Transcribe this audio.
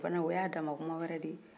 o fana o y' a dama kumawɛrɛ de ye